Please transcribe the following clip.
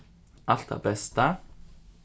alt tað besta